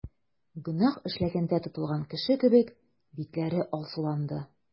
Гөнаһ эшләгәндә тотылган кеше кебек, битләре алсуланды.